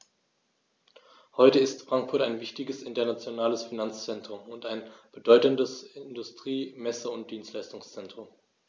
Heute ist Frankfurt ein wichtiges, internationales Finanzzentrum und ein bedeutendes Industrie-, Messe- und Dienstleistungszentrum.